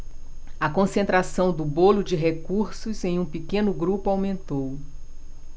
a concentração do bolo de recursos em um pequeno grupo aumentou